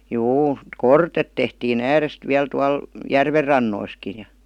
juu kortetta tehtiin ääresti vielä tuolla järvenrannoissakin ja